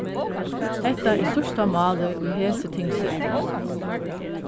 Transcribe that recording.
hetta er síðsta málið í hesi tingsetuni